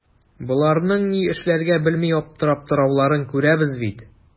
Боларның ни эшләргә белми аптырап торуларын күрәбез бит.